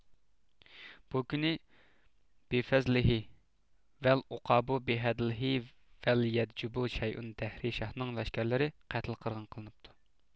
بۇ كۈنى بىفەزلىھې ۋەل ئۇقابۇ بىئەدلىھې ۋەلە يەدجىبۇ شەيئۇن دەھرىي شاھنىڭ لەشكەرلىرى قەتل قىرغىن قىلىنىپتۇ